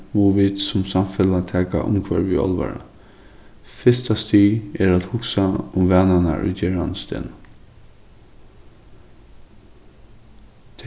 mugu vit sum samfelag taka umhvørvið í álvara fyrsta stig er at hugsa um vanarnar í gerandisdegnum